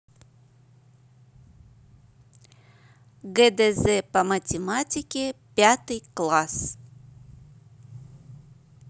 гдз по математике пятый класс